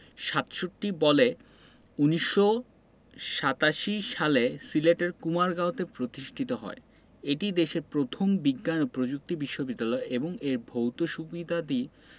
৬৭ বলে ১৯৮৭ সালে সিলেটের কুমারগাঁওতে প্রতিষ্ঠিত হয় এটি দেশের প্রথম বিজ্ঞান ও প্রযুক্তি বিশ্ববিদ্যালয় এবং এর ভৌত সুবিধাদি